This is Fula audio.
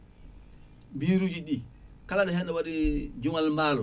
miruji ɗi kala ɗo hen ɗo waɗi juumal maaro